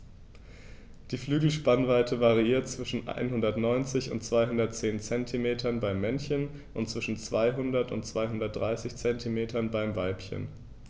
Die Flügelspannweite variiert zwischen 190 und 210 cm beim Männchen und zwischen 200 und 230 cm beim Weibchen.